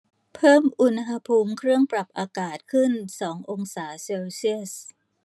เพิ่มอุณหภูมิเครื่องปรับอากาศขึ้นสององศาเซลเซียส